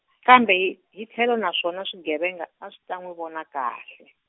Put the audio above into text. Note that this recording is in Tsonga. kambe hi, hi tlhelo na swona swigevenga a swi ta n'wi vona kahle.